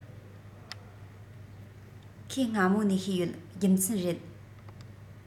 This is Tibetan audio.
ཁོས སྔ མོ ནས ཤེས ཡོད རྒྱུ མཚན རེད